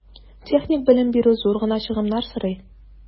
Техник белем бирү зур гына чыгымнар сорый.